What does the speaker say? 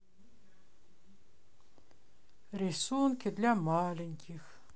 рисунки для маленьких